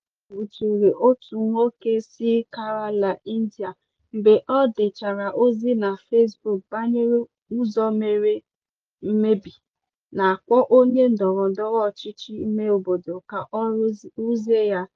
Ndị uweojii nwuchiri otu nwoke si Kerala, India mgbe o dechara ozi na Facebook banyere ụzọ mere mmebi, na-akpọ onye ndọrọndọrọ ọchịchị imeobodo ka ọ rụzie ya.